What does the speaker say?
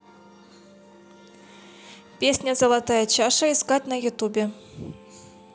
песня золотая чаша искать на ютубе